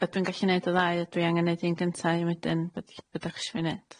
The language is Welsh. Ydw i'n gallu neud y ddau? Ydw i angen neud un gynta a un wedyn? Be- be' dach chi isio fi neud?